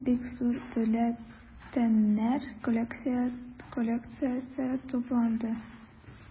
Минем бик зур бюллетеньнәр коллекциясе тупланды.